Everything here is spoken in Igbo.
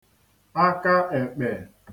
aka èkpè